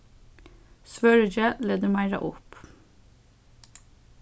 svøríki letur meira upp